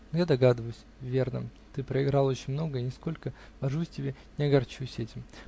но я догадываюсь: верно, ты проиграл очень много, и нисколько, божусь тебе, не огорчаюсь этим